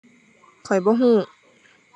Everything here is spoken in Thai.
ข้อยบ่รู้